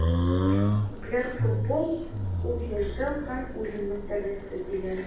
Күпләр футбол - ул яшәү һәм үлем мәсьәләсе, диләр.